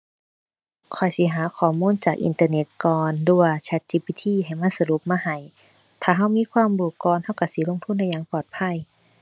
ข้อยสิหาข้อมูลจากอินเทอร์เน็ตก่อนหรือว่า ChatGPT ให้มันสรุปมาให้ ถ้าเรามีความรู้ก่อน เราเราสิลงทุนได้อย่างปลอดภัย